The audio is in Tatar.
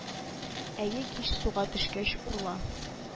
Әйе кич суга төшкәч урла